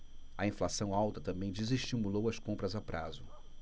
a inflação alta também desestimulou as compras a prazo